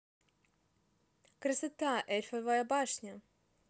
красота эльфовая башня